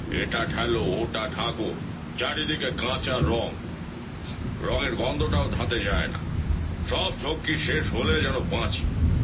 এটা ঠেলো ওটা ঢাকো চারিদিকে কাঁচা রং রঙের গন্ধটাও ধাতে যায় না সব ঝক্কি শেষ হলে যেন বাঁচি